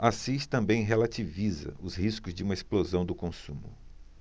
assis também relativiza os riscos de uma explosão do consumo